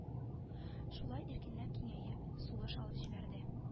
Шуйлай иркенләп киңәеп сулыш алып җибәрде